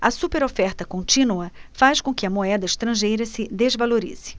a superoferta contínua faz com que a moeda estrangeira se desvalorize